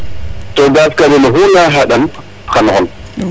To gaz carbonique oxu na xaɗan xan o xon